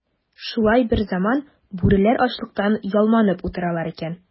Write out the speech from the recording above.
Шулай берзаман бүреләр ачлыктан ялманып утыралар икән.